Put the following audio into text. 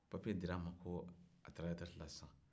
papiye dir'a ma ko a taara eretɛreti la sisan